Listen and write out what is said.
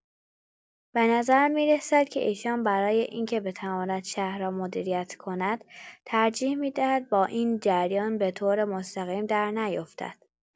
به‌نظر می‌رسد که ایشان برای این که بتواند شهر را مدیریت کند، ترجیح می‌دهد با این جریان به‌طور مستقیم در نیفتد.